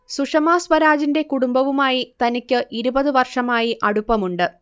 സുഷമാ സ്വരാജിന്റെ കുടുംബവുമായി തനിക്ക് ഇരുപത് വർഷമായി അടുപ്പമുണ്ട്